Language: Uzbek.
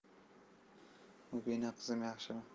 mubina qizim yaxshimi